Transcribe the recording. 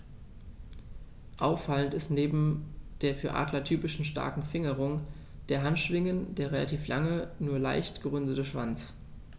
Auffallend ist neben der für Adler typischen starken Fingerung der Handschwingen der relativ lange, nur leicht gerundete Schwanz.